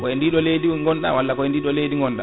koye ndi ɗo leydi gonɗa walla koye nd ɗo leydi gonɗa